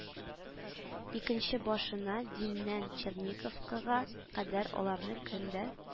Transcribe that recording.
Икенче башына, димнән черниковкага кадәр аларны көн дә